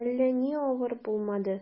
Әллә ни авыр булмады.